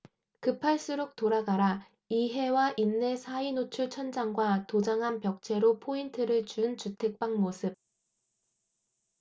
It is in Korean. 급할수록 돌아가라 이해와 인내 사이노출 천장과 도장한 벽체로 포인트를 준 주택 방 모습